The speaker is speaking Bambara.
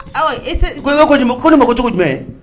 Ko ne mako ko cogo jumɛn